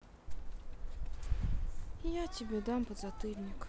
я дам тебе подзатыльник